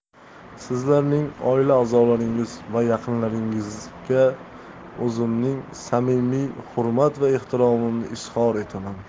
sizlarning oila a'zolaringiz va yaqinlaringizga o'zimning samimiy hurmat va ehtiromimni izhor etaman